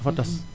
dafa tas